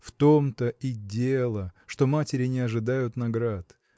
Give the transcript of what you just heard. В том-то и дело, что матери не ожидают наград.